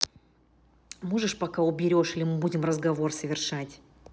можешь пока уберешь или мы будем разговор совершать